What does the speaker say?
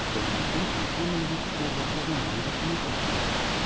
Данлыклы ансамбльне котларга Казаннан да кунаклар килде.